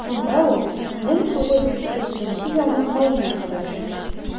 Монда ул 1937 елның маена кадәр эшли.